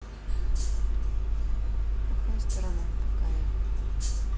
плохая сторона какая